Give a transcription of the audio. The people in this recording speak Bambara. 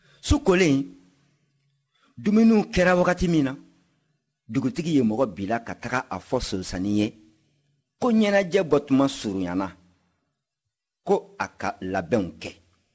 su kolen dumuniw kɛra wagati min na dugutigi ye mɔgɔ bila ka taga a fɔ sonsannin ye ko ɲɛnajɛ bɔtuma surunyana ko a ka labɛnw kɛ